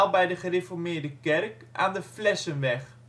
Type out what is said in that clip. bij de gereformeerde kerk aan de Flessenberg